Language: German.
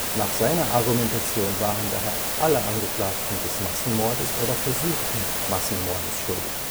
Nach seiner Argumentation waren daher alle Angeklagten des (versuchten) Massenmordes schuldig